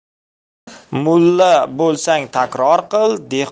mulla bo'lsang takror qil